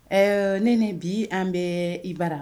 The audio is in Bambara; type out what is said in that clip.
Ɛɛ ne ni bi an bɛ i bara